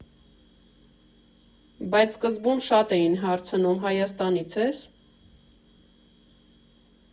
Բայց սկզբում շատ էին հարցնում՝ հայաստանցի՞ ես։